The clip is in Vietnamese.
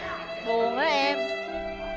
buồn ớ em